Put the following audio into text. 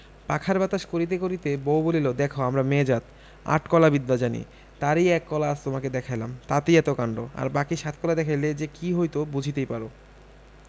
পাখার বাতাস করিতে করিতে বউ বলিল দেখ আমরা মেয়ে জাত আট কলা বিদ্যা জানি তার ই এক কলা আজ তোমাকে দেখাইলাম তাতেই এত কাণ্ড আর বাকী সাত কলা দেখাইলে কি যে হইত বুঝিতেই পার